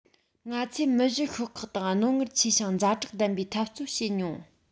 ང ཚོས མི བཞི ཤོག ཁག དང རྣོ ངར ཆེ ཞིང ཛ དྲག ལྡན པའི འཐབ རྩོད བྱེད མྱོང